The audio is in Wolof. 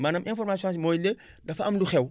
maanaam information mooy le dafa am lu xew